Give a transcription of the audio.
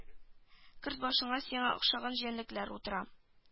Көрт башында сиңа охшаган җәнлекләр утыра